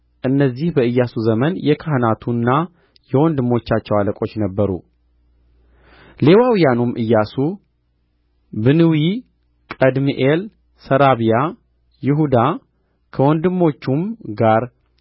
እነዚህ በኢያሱ ዘመን የካህናቱና የወንድሞቻቸው አለቆች ነበሩ ሌዋውያኑም ኢያሱ ቢንዊ ቀድምኤል ሰራብያ ይሁዳ ከወንድሞቹም ጋር